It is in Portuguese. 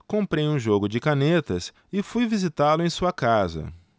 comprei um jogo de canetas e fui visitá-lo em sua casa